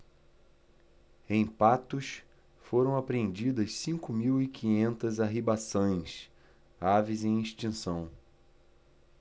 em patos foram apreendidas cinco mil e quinhentas arribaçãs aves em extinção